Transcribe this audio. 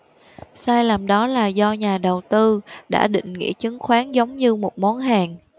sai lầm đó là do nhà đầu tư đã định nghĩa chứng khoán giống như một món hàng